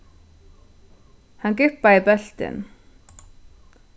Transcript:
hann gúppaði bóltin